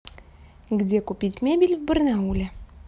где мебель купить в барнауле